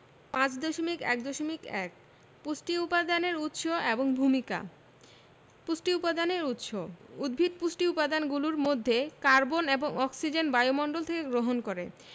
5.1.1 পুষ্টি উপাদানের উৎস এবং ভূমিকা পুষ্টি উপাদানের উৎস উদ্ভিদ পুষ্টি উপাদানগুলোর মধ্যে কার্বন এবং অক্সিজেন বায়ুমণ্ডল থেকে গ্রহণ করে